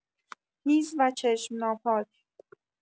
هیز و چشم ناپاک